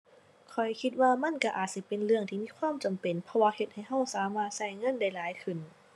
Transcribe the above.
ข้อยคิดว่ามันก็อาจสิเป็นเรื่องที่มีความจำเป็นเพราะว่าเฮ็ดให้ก็สามารถก็เงินได้หลายขึ้น